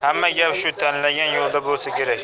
hamma gap shu tanlangan yo'lda bo'lsa kerak